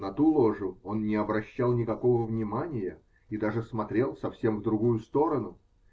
На ту ложу он не обращал никакого внимания и даже смотрел совсем в другую сторону.